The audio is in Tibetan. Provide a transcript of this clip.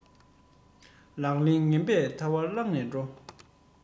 ཉིན མཚན མེད པར རྨྱུག རྒྱུ ཁོ ལས མེད